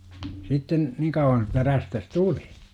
sitten niin kauan että räystäs tuli